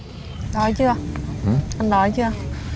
đói chưa anh đói chưa